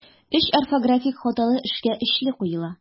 Өч орфографик хаталы эшкә өчле куела.